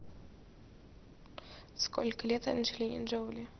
сколько лет анджелине джоули